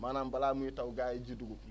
maanaam balaa muy taw gars yi ji dugub